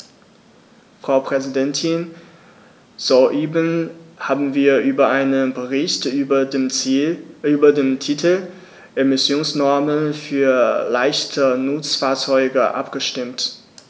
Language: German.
Frau Präsidentin, soeben haben wir über einen Bericht mit dem Titel "Emissionsnormen für leichte Nutzfahrzeuge" abgestimmt.